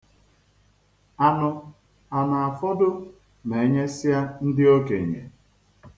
Anụ a na-afọdụ ma e nyesịa ndị ọkenye?